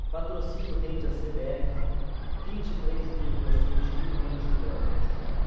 patrocínio rende à cbf vinte e três vírgula seis milhões de dólares